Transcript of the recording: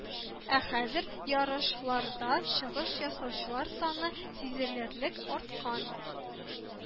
Ә хәзер ярышларда чыгыш ясаучылар саны сизелерлек арткан